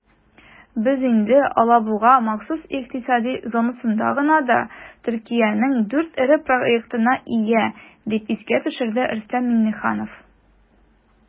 "без инде алабуга махсус икътисади зонасында гына да төркиянең 4 эре проектына ия", - дип искә төшерде рөстәм миңнеханов.